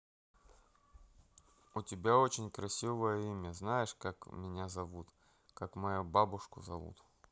у тебя очень красивое имя знаешь как меня зовут как мою бабушку зовут